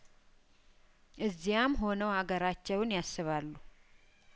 እዚያም ሆነው ሀገራቸውን ያስባሉ